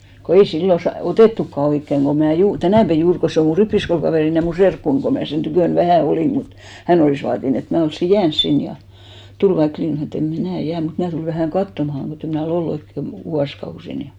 kun ei silloin - otettukaan oikein kun minä juuri tänä päivänä juuri kun se on minun rippikoulukaverini ja minun serkkuni kun minä sen tykönä vähän olin mutta hän olisi vaatinut että minä olisin jäänyt sinne ja tuli vaikka - minä sanoin että en minä jää mutta minä tulen vähän katsomaan kun en minä ole ollut oikein - vuosikausiin niin